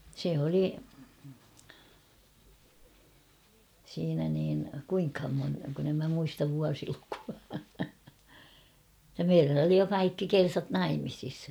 se oli siinä niin kuinkahan - kun en minä muista vuosilukua että meidän oli jo kaikki kersat naimisissa